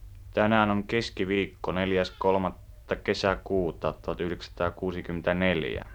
tänään on keskiviikko neljäskolmatta kesäkuuta tuhatyhdeksänsataa kuusikymmentäneljä